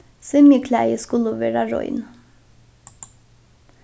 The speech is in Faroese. svimjiklæði skulu vera rein